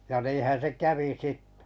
ja niinhän se kävi sitten